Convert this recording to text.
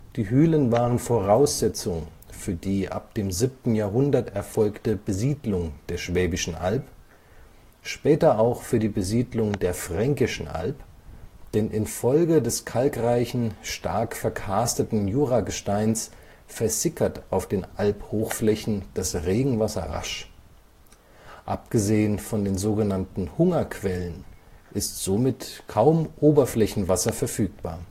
Die Hülen waren Voraussetzung für die ab dem 7. Jahrhundert erfolgte Besiedlung der Schwäbischen Alb, später auch für die Besiedlung der Fränkischen Alb, denn infolge des kalkreichen, stark verkarsteten Juragesteins versickert auf den Albhochflächen das Regenwasser rasch. Abgesehen von den sogenannten Hungerquellen ist somit kaum Oberflächenwasser verfügbar